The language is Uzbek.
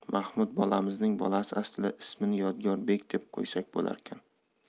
mahmud bolamizning bolasi aslida ismini yodgorbek deb qo'ysak bo'larkan